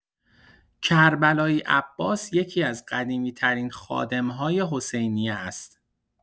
کربلایی عباس یکی‌از قدیمی‌ترین خادم‌های حسینیه است.